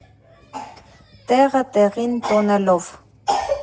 Տեղը տեղին տոնելով։